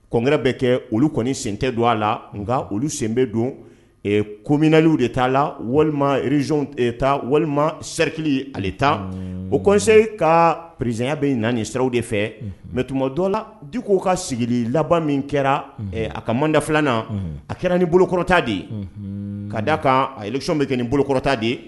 Kɔnkɛ bɛ kɛ olu kɔni sente don a la nka olu senbe don kominali de t'a la walima rez taa walima sɛrikili ale tan o kɔnse ka pererezya bɛ na sew de fɛ mɛ tuma dɔ la bi k' ka sigi laban min kɛra a ka manda filanan na a kɛra nin bolokɔrɔta de ye ka d da aa kan asɔnɔn bɛ kɛ nin bolokɔrɔta de ye